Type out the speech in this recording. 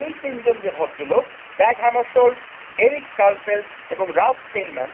এ তিনজন যে ভদ্রলোক Dag Hammarskjold Erik Karlfeldt এবং রালফ স্টেইন ম্যান